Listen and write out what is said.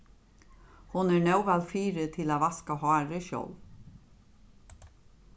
hon er nóg væl fyri til at vaska hárið sjálv